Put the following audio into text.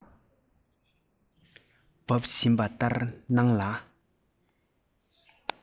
འབབ བཞིན པ ལྟར སྣང ལ